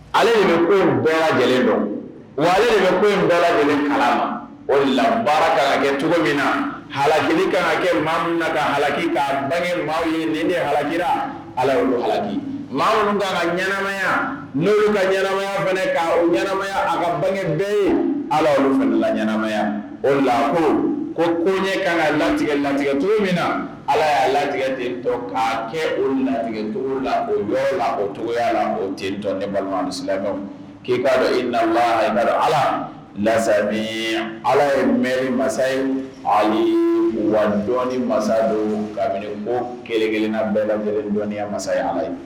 Ale de bɛ ko bɛɛ lajɛlen dɔn wa ale bɛ bɛɛ lajɛlen kalan o labaa ka kɛ cogo min na had ka kɛ maa min na ka haki ka bange maa ye nin de hajira ala olu alaki ma taara ɲɛnamaya n' ka ɲɛnamaya fana' ɲɛnamaya a ka bange bɛ ye ala olu fanala ɲɛnamaya o la ko ko ko ɲɛ kan ka latigɛ latigɛ cogo min na ala y'a latigɛ den bɔ ka kɛ olu latigɛ la o la ocogo la o den dɔn balima k' b'a dɔn e la ala lasa ala ye mɛ masayi ye hali wa dɔ masadon kabini ko kelen kelenna bɛɛ lajɛ lajɛlen dɔnniya masaya ala ye